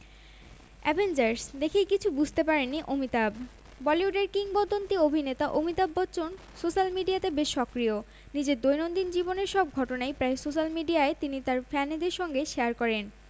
Avengers দেখে কিছুই বুঝতে পারেননি অমিতাভ বলিউডের কিংবদন্তী অভিনেতা অমিতাভ বচ্চন সোশ্যাল মিডিয়াতে বেশ সক্রিয় নিজের দৈনন্দিন জীবনের সব ঘটনাই প্রায় সোশ্যাল মিডিয়ায় তিনি তার ফ্যানেদের সঙ্গে শেয়ার করেন